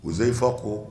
U zeifa ko